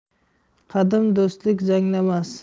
qadim do'stlik zanglamas